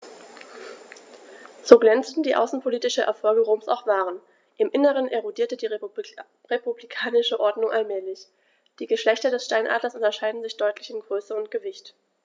So glänzend die außenpolitischen Erfolge Roms auch waren: Im Inneren erodierte die republikanische Ordnung allmählich. Die Geschlechter des Steinadlers unterscheiden sich deutlich in Größe und Gewicht.